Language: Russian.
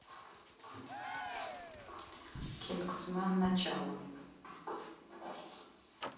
кингсмен начало